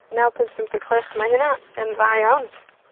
Naw punt pump deg chwech. Mae hynna yn dda iawn.